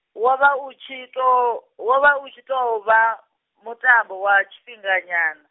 wo vha u tshi to-, wo vha u tshi tou vha, mutambo wa tshifhinga nyana.